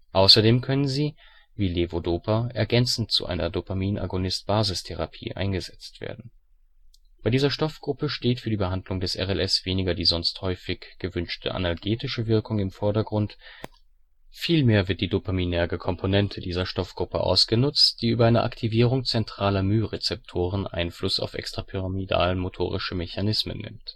Außerdem können sie – wie Levodopa – ergänzend zu einer Dopaminagonist-Basistherapie eingesetzt werden. Bei dieser Stoffgruppe steht für die Behandlung des RLS weniger die sonst häufig gewünschte analgetische Wirkung im Vordergrund. Vielmehr wird die dopaminerge Komponente dieser Stoffgruppe ausgenutzt, die über eine Aktivierung zentraler μ-Rezeptoren Einfluss auf extrapyramidal-motorische Mechanismen